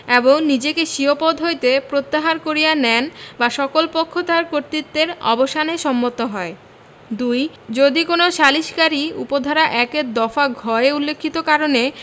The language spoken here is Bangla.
এবং নিজেকে স্বীয় পদ হইতে প্রত্যাহার করিয়া নেন বা সকল পক্ষ তাহার কর্তৃত্বের অবসানে সম্মত হয় ২ যদি কোন সালিসকারী উপ ধারা ১ এর দফা ঘ এ উল্লেখিত কারণে